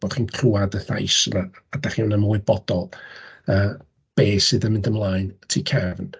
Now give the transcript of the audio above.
Bod chi'n clywad y llais 'ma, a dach chi'n ymwybodol beth sy'n mynd ymlaen tu cefn.